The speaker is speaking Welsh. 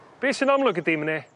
be' sy'n amlwg ydi m'e 'ne